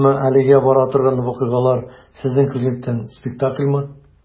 Әмма әлегә бара торган вакыйгалар, сезнең күзлектән, спектакльмы?